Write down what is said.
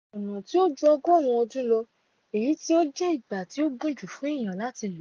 Ní ọ̀pọ̀ ọ̀nà, tí ó ju ọgọ́rùn-ún ọdún lọ, èyí tí ó jẹ́ ìgbà tí ó gùn jù fún èèyàn láti lò.